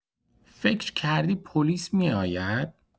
فکر کردی پلیس می‌آید؟!